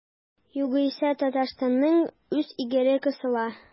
Югыйсә Татарстанның үз иреге кысыла.